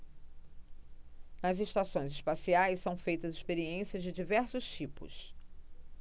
nas estações espaciais são feitas experiências de diversos tipos